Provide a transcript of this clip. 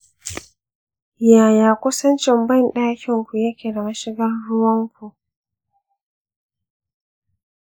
yaya kusancin bandakinku yake da mashigar ruwanku